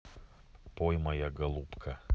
пой моя голубка